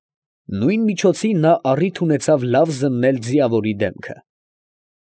Նույն միջոցին նա առիթ ունեցավ լավ զննել ձիավորի դեմքը։